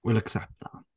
We'll accept that.